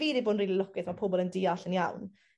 fi 'di bod yn rili lwcus ma' pobol yn deall yn iawn